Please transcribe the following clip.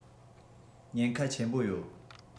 ཉེན ཁ ཆེན པོ ཡོད